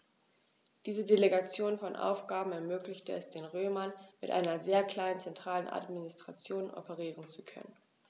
Diese Delegation von Aufgaben ermöglichte es den Römern, mit einer sehr kleinen zentralen Administration operieren zu können.